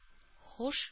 Һуш